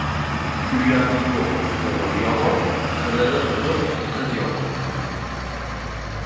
uyati yo'q o'g'il yomon qilig'i buzuq qiz yomon